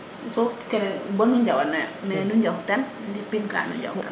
so kene bonu njawano yo mene nu njawtan ndi pin ka nu njaw tan